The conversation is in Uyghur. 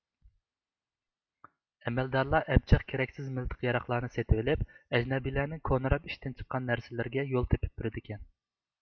ئەمەلدارلار ئەبجەخ كېرەكسىز مىلتىق ياراغلارنى سېتىۋېلىپ ئەجنەبىيلەرنىڭ كونىراپ ئىشتىن چىققان نەرسىلىرىگە يول تېپىپ بېرىدىكەن